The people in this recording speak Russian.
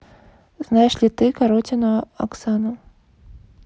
знаешь ли ты коротину оксану